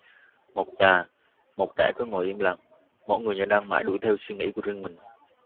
một già một trẻ cứ ngồi im lặng mỗi người như đang mãi đuổi theo suy nghĩ của riêng mình